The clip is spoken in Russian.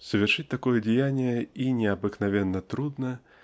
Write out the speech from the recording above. Совершить такое деяние и необыкновенно трудно